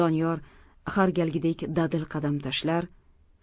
doniyor har galgidek dadil qadam tashlar